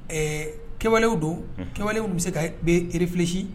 Ɛɛ kɛwalelenw don kewalew bɛ se ka bɛ refisi